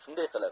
shunday qilib